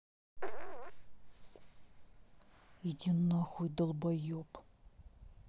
иди нахуй долбоеб